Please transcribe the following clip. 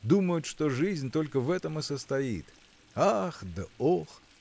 думают, что жизнь только в этом и состоит: ах да ох!